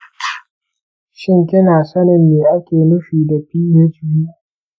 shin kina sanin me ake nufi da hpv?